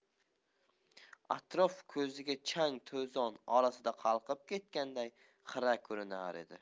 atrof ko'ziga chang to'zon orasida qolib ketganday xira ko'rinar edi